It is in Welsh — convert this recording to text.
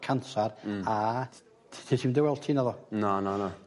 cansar... Hmm. ...a t- tesh i 'im dy weld ti naddo? Na na na.